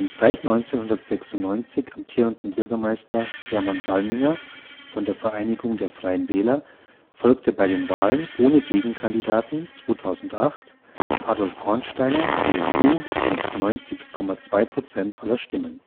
seit 1996 amtierenden Bürgermeister Hermann Salminger von der Vereinigung der freien Wähler folgte bei den Wahlen - ohne Gegenkandidaten - 2008 Adolf Hornsteiner (CSU) mit 90,2 Prozent aller Stimmen